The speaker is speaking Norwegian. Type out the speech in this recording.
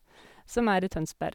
Som er i Tønsberg.